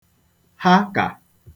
ha kà